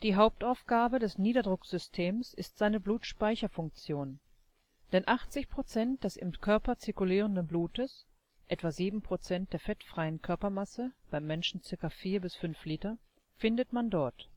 Hauptaufgabe des Niederdrucksystems ist seine Blutspeicherfunktion, denn 80 Prozent des im Körper zirkulierenden Blutes (etwa sieben Prozent der fettfreien Körpermasse, beim Menschen circa vier bis fünf Liter) findet man dort